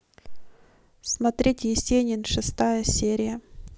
смотреть есенин шестая серия